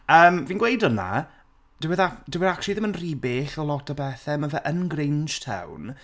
Yym fi'n gweud hwnna, dyw e dda- dyw e actually ddim yn rhy bell o lot o bethe, ma' fe yn Grange Town.